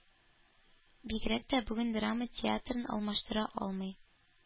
Бигрәк тә бүген драма театрын алмаштыра алмый.